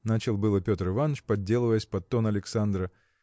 – начал было Петр Иваныч, подделываясь под тон Александра.